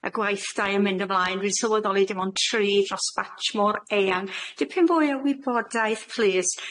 y gwaith dai yn mynd ymlaen. Dwi'n sylweddoli dim ond tri dros batch mor eang, dipyn fwy o wybodaeth plîs.